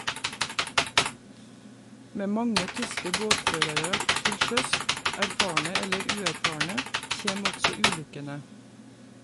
Med mange tyske båtførarar til sjøs , erfarne eller uerfarne , kjem også ulukkene.